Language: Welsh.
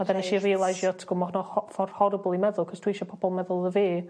Reit. Wedan nesh i rialeisio t'go' ma' no- ho- fford horribl i meddwl 'c'os dwi isio pobol meddwl o fi